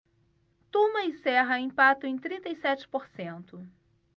tuma e serra empatam em trinta e sete por cento